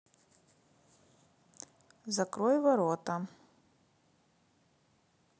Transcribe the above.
закрой ворота